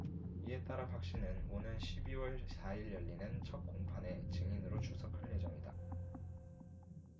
이에 따라 박씨는 오는 십 이 월 십 사 일 열리는 첫 공판에 증인으로 출석할 예정이다